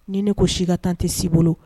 Ni'i ne ko siiga tan tɛ si bolo